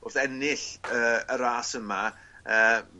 wrth ennill yy y ras yma yy m-